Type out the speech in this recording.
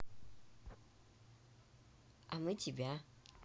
а мы тебя